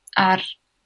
ar